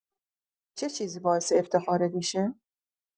چه چیزی باعث افتخارت می‌شه؟